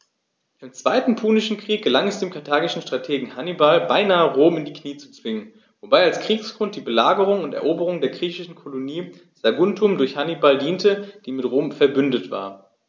Im Zweiten Punischen Krieg gelang es dem karthagischen Strategen Hannibal beinahe, Rom in die Knie zu zwingen, wobei als Kriegsgrund die Belagerung und Eroberung der griechischen Kolonie Saguntum durch Hannibal diente, die mit Rom „verbündet“ war.